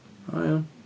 O iawn.